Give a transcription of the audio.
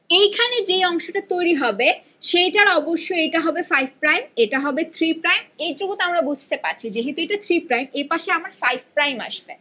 এখানে যে অংশটা তৈরি হবে সেটার অবশ্যই এটা হবে ফাইভ প্রাইম এটা হবে থ্রি প্রাইম এটুকু তো আমরা বুঝতে পারছি যে যেতে টা থ্রি প্রাইম এপাশে আমার ফাইভ প্রাইম আসবে